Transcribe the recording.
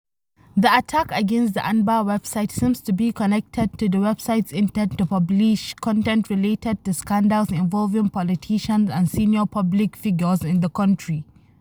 The attack against the Anbaa website seems to be connected to the website’s intent to publish content related to scandals involving politicians and senior public figures in the country.